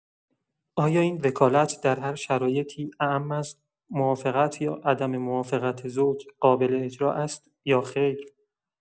آیا این وکالت در هر شرایطی، اعم از موافقت یا عدم موافقت زوج، قابل‌اجرا است یا خیر.